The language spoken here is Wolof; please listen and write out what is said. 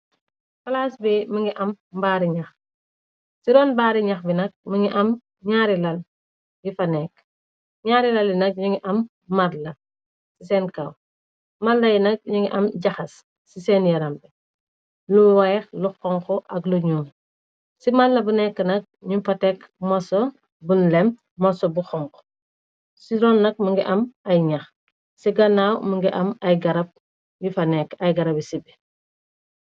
Plaas bi mungi am ci roon baari ñyax bi nak mu ngi am ñyaari lal yufa nak yu ngi am marla ci seen kaw marla yi nak yu ngi am jaxas ci seen yaram be lu weex lu xonk ak lu ñuul ci marla bu nekk nak ñu fa tekk moso bun lem mosso bu xonk ci roon nak mi ngi am ay ñax ci gannaaw mu ngi am ay garab yu fa nekk ay garab yi sibbi.